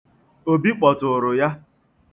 Obi kpọtụụrụ ya.